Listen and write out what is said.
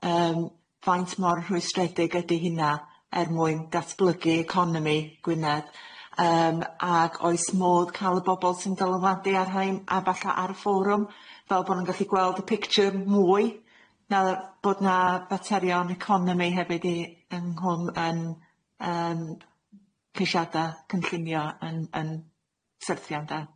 yym faint mor rhwystredig ydi hynna er mwyn datblygu economi Gwynedd yym ag oes modd ca'l y bobol sy'n dylanwadu ar rhein a balla ar y fforwm fel bo' nw'n gallu gweld y pictiwr mwy na bod na faterion economi hefyd i yng nghwm yn yym ceisiada cynllunio yn yn syrthiada?